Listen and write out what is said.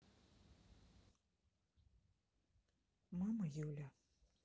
мама юля